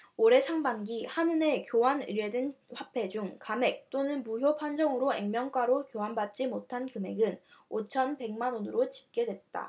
올해 상반기 한은에 교환 의뢰된 화폐 중 감액 또는 무효판정으로 액면가로 교환받지 못한 금액은 오천 백 만원으로 집계됐다